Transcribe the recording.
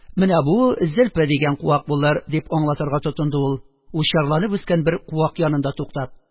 – менә бу зелпе дигән куак булыр, – дип аңлатырга тотынды ул, учарланып үскән бер куак янында туктап